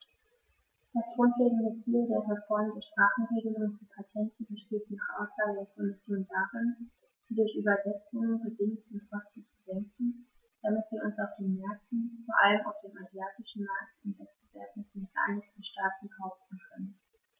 Das grundlegende Ziel der Reform der Sprachenregelung für Patente besteht nach Aussage der Kommission darin, die durch Übersetzungen bedingten Kosten zu senken, damit wir uns auf den Märkten, vor allem auf dem asiatischen Markt, im Wettbewerb mit den Vereinigten Staaten behaupten können.